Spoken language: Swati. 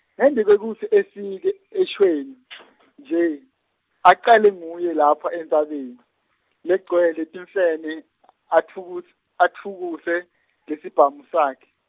Ngembikwekutsi efike eShweni , nje acale ngekuya lapha entsabeni , legcwele timfene , atfukus- atfukuse lesibhamu sakhe.